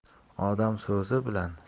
odam so'zi bilan